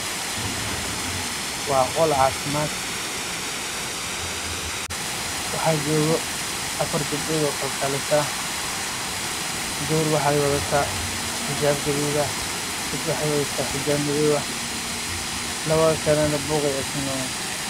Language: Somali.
Waa meel caafimaad waxaa jooga gabdho